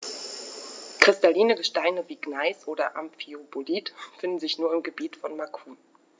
Kristalline Gesteine wie Gneis oder Amphibolit finden sich nur im Gebiet von Macun.